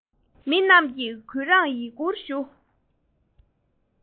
མི རྣམས ཀྱིས གུས བཀུར ཡིད རང ཞུ